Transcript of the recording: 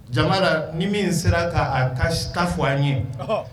Jamana ni min sera k' taa fɔ an ye